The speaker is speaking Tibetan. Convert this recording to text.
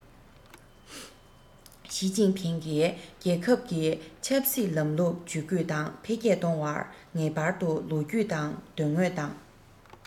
ཞིས ཅིན ཕིང གིས རྒྱལ ཁབ ཀྱི ཆབ སྲིད ལམ ལུགས ཇུས བཀོད དང འཕེལ རྒྱས གཏོང བར ངེས པར དུ ལོ རྒྱུས དང དོན དངོས དང